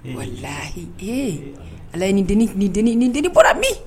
Walahi ee allah ye nin deni, ni denin bɔra min?